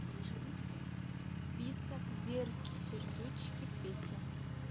список веры сердючки песен